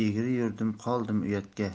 egri yurdim qoldim uyatga